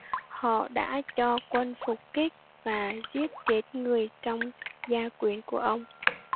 họ đã cho quân phục kích và giết chết người trong gia quyến của ông